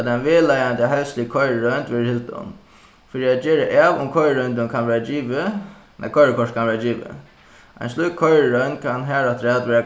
at ein vegleiðandi heilsulig koyriroynd verður hildin fyri at gera av um koyriroyndin kann verða givið nei koyrikort kann verða givið ein slík koyriroynd kann harafturat verða